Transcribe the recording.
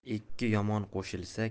ikki yomon qo'shilsa